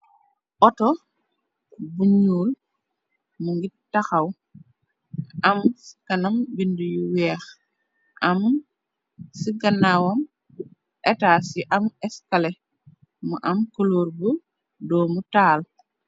Oto bu ñuul mu ngi tahaw am ci kanam bindi yu weeh. AM ci kanawam etas yu am eskale mu am kuloor bu doomu taal.